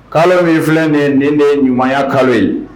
Kalo min filɛ nin ye nin de ye ɲumanya kalo ye.